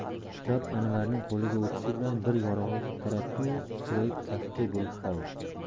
kitob anvarning qo'liga o'tishi bilan bir yorug'lik taratdiyu kichrayib kaftday bo'lib qoldi